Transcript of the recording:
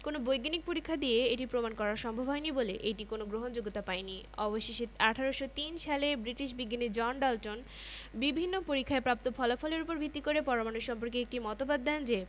মৌলের ইংরেজি ও ল্যাটিন নাম থেকে তাদের প্রতীক লিখতে পারব মৌলিক ও স্থায়ী কণিকাগুলোর বৈশিষ্ট্য বর্ণনা করতে পারব পারমাণবিক সংখ্যা ভর সংখ্যা আপেক্ষিক পারমাণবিক ভর ব্যাখ্যা করতে পারব